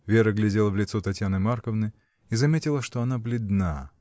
Вера глядела в лицо Татьяны Марковны и заметила, что она бледна.